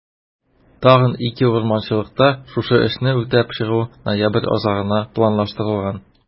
Тагын 2 урманчылыкта шушы эшне үтәп чыгу ноябрь азагына планлаштырылган.